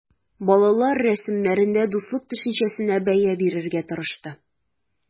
Балалар рәсемнәрендә дуслык төшенчәсенә бәя бирергә тырышты.